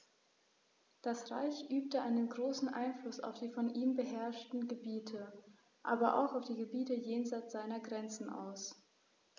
Das Reich übte einen großen Einfluss auf die von ihm beherrschten Gebiete, aber auch auf die Gebiete jenseits seiner Grenzen aus.